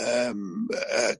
yym yy